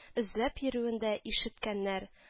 Эзләп йөрүен дә ишеткәннәр